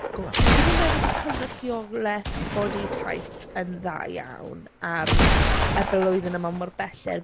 Go on ...Dwi'm yn meddwl bod cynrychiolaeth body types yn dda iawn ar... na ... y blwyddyn yma mor belled.